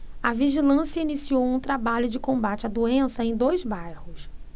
a vigilância iniciou um trabalho de combate à doença em dois bairros